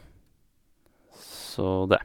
Så det.